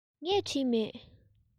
ངས བྲིས མེད